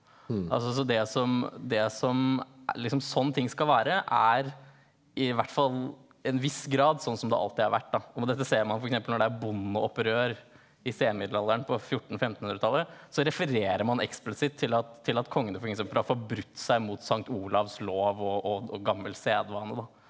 altså så det som det som liksom sånn ting skal være er i hvert fall i en viss grad sånn som det alltid har vært da og dette ser man f.eks. når det er bondeopprør i senmiddelalderen på fjortenfemtenhundretallet så refererer man eksplisitt til at til at kongen da f.eks. har forbrutt seg mot sankt Olavs lov og og gammel sedvane da.